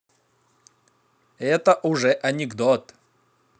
это уже анекдот